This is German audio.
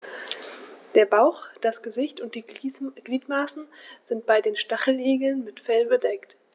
Der Bauch, das Gesicht und die Gliedmaßen sind bei den Stacheligeln mit Fell bedeckt.